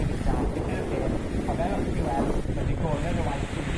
i ftta, dished o de. A fel allwch chi weld, ma' digonedd o waith chwynnu